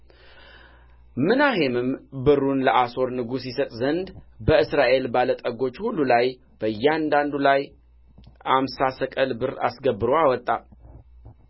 ምናሔምም ብሩን ለአሦር ንጉሥ ይሰጥ ዘንድ በእስራኤል ባለ ጠጎች ሁሉ ላይ በእያንዳንዱ ላይ አምሳ ሰቅል ብር አስገብሮ አወጣ